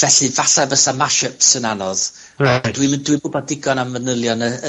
Felly, falla fysai mashups yn anodd... Reit. ...Ond dwi'm dwi gwbod digon am manylion y y